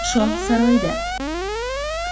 shoh saroyida